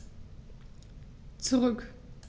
Zurück.